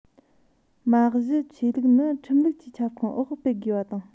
མ གཞི ཆོས ལུགས ནི ཁྲིམས ལུགས ཀྱི ཁྱབ ཁོངས འོག སྤེལ དགོས པ དང